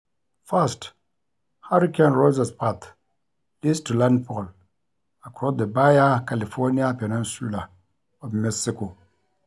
First, Hurricane Rosa's path leads to landfall across the Baja California peninsula of Mexico.